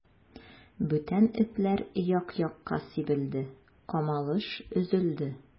Бүтән этләр як-якка сибелде, камалыш өзелде.